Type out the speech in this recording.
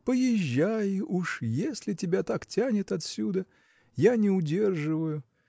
поезжай, уж если тебя так тянет отсюда: я не удерживаю!